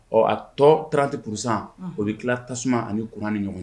Ɔ a tɔ tti kurusan o bɛ tila tasuma ani kuran ni ɲɔgɔn